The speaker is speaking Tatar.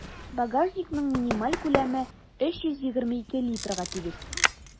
Багажникның минималь күләме 322 литрга тигез.